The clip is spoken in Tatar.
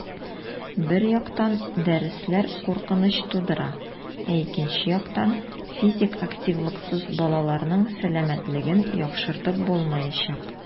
Бер яктан, дәресләр куркыныч тудыра, ә икенче яктан - физик активлыксыз балаларның сәламәтлеген яхшыртып булмаячак.